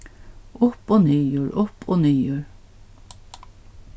upp og niður upp og niður